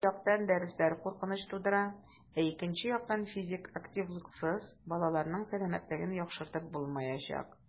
Бер яктан, дәресләр куркыныч тудыра, ә икенче яктан - физик активлыксыз балаларның сәламәтлеген яхшыртып булмаячак.